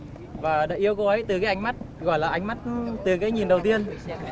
và đã yêu cô ấy tới ánh mắt gọi là ánh mắt từ cái nhìn đầu tiên